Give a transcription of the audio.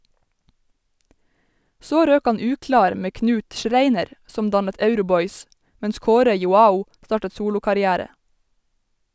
Så røk han uklar med Knut Schreiner, som dannet Euroboys, mens Kåre Joao startet solokarriere.